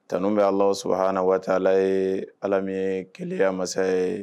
Tanun bɛ ala shaana waatiala ye ala min ye keya masa ye